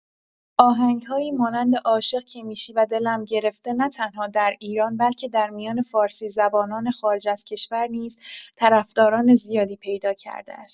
آهنگ‌هایی مانند عاشق که می‌شی و دلم گرفته نه‌تنها در ایران بلکه در میان فارسی‌زبانان خارج از کشور نیز طرفداران زیادی پیدا کرده است.